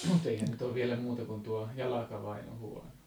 mutta eihän nyt ole vielä muuta kuin tuo jalka vain on huono